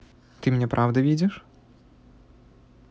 ты меня правда видишь